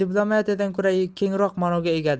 diplomatiyadan ko'ra kengroq ma'noga egadir